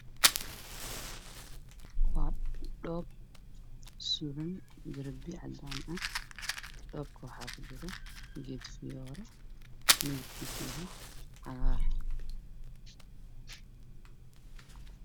Waa geed caleemo dhaadheer oo midabkooda yahay cagaar